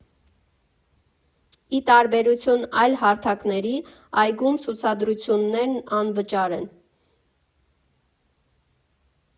Ի տարբերություն այլ հարթակների, այգում ցուցադրություններն անվճար են։